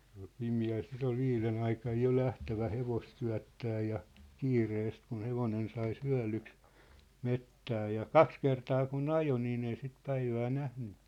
se oli pimeällä sitä oli viiden aikaan jo lähdettävä hevosta syöttämään ja kiireesti kun hevonen sai syödyksi metsään ja kaksi kertaa kun ajoi niin ei sitä päivää nähnyt